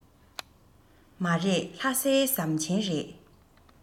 མ རེད ལྷ སའི ཟམ ཆེན རེད